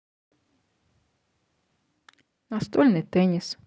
настольный теннис